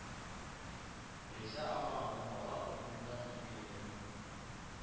Рәйсә апа аны бала урынына тәрбияләде